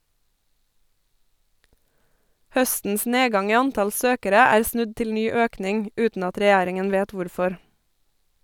Høstens nedgang i antall søkere er snudd til ny økning , uten at regjeringen vet hvorfor.